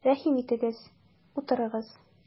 Рәхим итегез, утырыгыз!